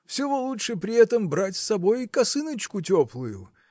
Всего лучше при этом брать с собой косыночку теплую.